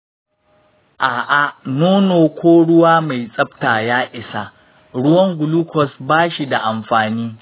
a'a, nono ko ruwa mai tsabta ya isa. ruwan glucose ba shi da amfani.